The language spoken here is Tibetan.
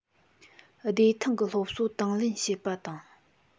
བདེ ཐང གི སློབ གསོ དང ལེན བྱེད པ དང